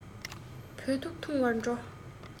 བོད ཐུག འཐུང བར འགྲོ